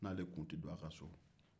n'ale tun tɛ don a ka so